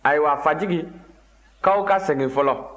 ayiwa fajigi k'aw ka segin fɔlɔ